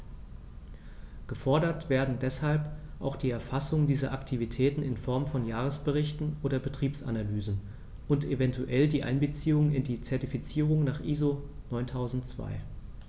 Gefordert werden deshalb auch die Erfassung dieser Aktivitäten in Form von Jahresberichten oder Betriebsanalysen und eventuell die Einbeziehung in die Zertifizierung nach ISO 9002.